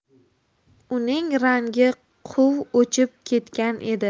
uning rangi quv o'chib ketgan edi